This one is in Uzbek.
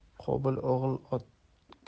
qobil o'g'il otga